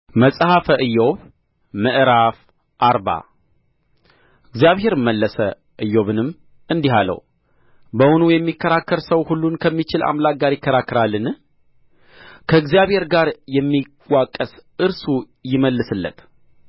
መጽሐፈ ኢዮብ ምዕራፍ አርባ እግዚአብሔርም መለሰ ኢዮብንም እንዲህ አለው በውኑ የሚከራከር ሰው ሁሉን ከሚችል አምላክ ጋር ይከራከራልን ከእግዚአብሔር ጋር የሚዋቀስ እርሱ ይመልስለት